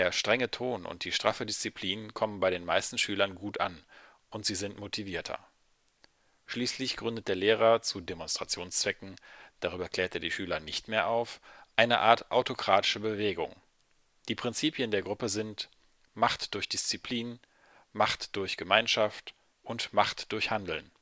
strenge Ton und die straffe Disziplin kommen bei den meisten Schülern gut an, und sie sind motivierter. Schließlich gründet der Lehrer zu Demonstrationszwecken – darüber klärt er die Schüler nicht mehr auf – eine Art autokratische Bewegung. Die Prinzipien der Gruppe sind „ Macht durch Disziplin “,„ Macht durch Gemeinschaft “und „ Macht durch Handeln